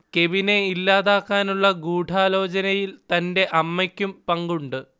കെവിനെ ഇല്ലാതാക്കാനുള്ള ഗൂഢാലോചനയിൽ തന്റെ അമ്മയ്ക്കും പങ്കുണ്ട്